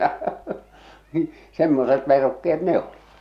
semmoiset verukkeet ne oli